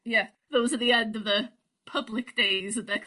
Ia those are the end of the public daysynde?